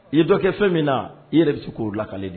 I ye dɔkɛ fɛn min na i yɛrɛ bɛ se k'o lakaale di